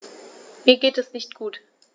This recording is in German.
Mir geht es nicht gut.